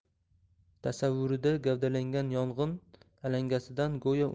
tasavvurida gavdalangan yong'in alangasidan go'yo